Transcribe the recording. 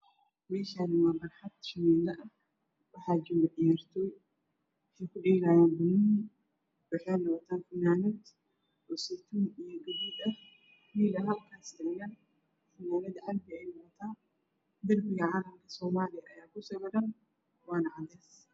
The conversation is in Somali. Meeshan waa baraxad shamiinta ah waxaa joogo ciyaartooy waxay ku dhelayaan banooni waxayna wataan funanad oo saytuun mid guduud ah mid basali ah funaanad cad ah darbiga calan somaliya ayaa kusawiran waana cadees